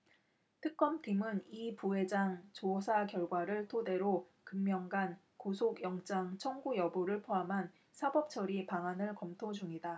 특검팀은 이 부회장 조사 결과를 토대로 금명간 구속영장 청구 여부를 포함한 사법처리 방안을 검토 중이다